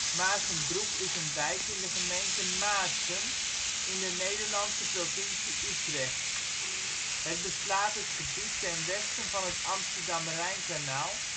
Maarssenbroek is een wijk in de gemeente Maarssen in de Nederlandse provincie Utrecht. Het beslaat het gebied ten westen van het Amsterdam-Rijnkanaal